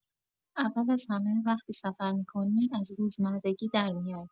اول از همه، وقتی سفر می‌کنی، از روزمرگی در میای.